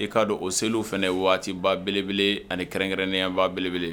I k'a don o seli fana waatiba belebele ani kɛrɛnkɛrɛnnenyaba belebele